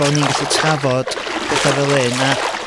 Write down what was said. bo' ni'n gallu trafod petha fel 'yn a